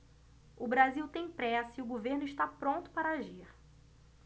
o brasil tem pressa e o governo está pronto para agir